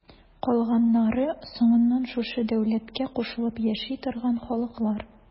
Калганнары соңыннан шушы дәүләткә кушылып яши торган халыклар.